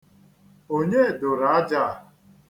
Onye doro aja a?